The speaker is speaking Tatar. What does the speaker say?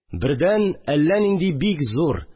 Бердән әллә нинди бик зур